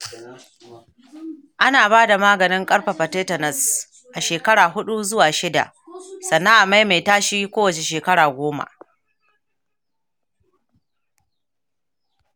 ana ba da maganin ƙarfafa tetanus a shekara huɗu zuwa shida, sannan a maimaita shi kowane shekara goma.